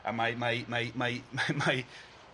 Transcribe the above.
A mae mae mae mae mae mae